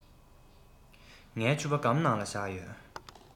ངའི ཕྱུ པ སྒམ ནང ལ བཞག ཡོད